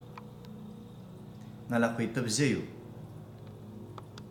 ང ལ དཔེ དེབ བཞི ཡོད